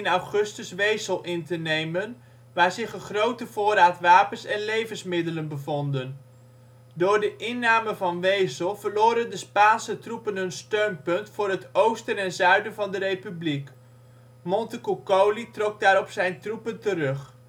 augustus Wesel in te nemen, waar zich een grote voorraad wapens en levensmiddelen bevonden. Door de inname van Wesel verloren de Spaanse troepen hun steunpunt voor het oosten en zuiden van de Republiek. Montecucculi trok daarop zijn troepen terug